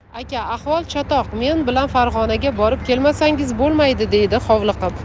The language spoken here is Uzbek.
aka ahvol chatoq men bilan farg'onaga borib kelmasangiz bo'lmaydi deydi hovliqib